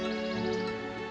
được